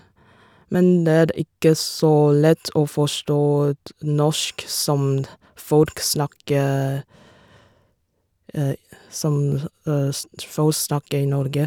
Men det er ikke så lett å forstå t norsk som d folk snakker som så sn ts folk snakker i Norge.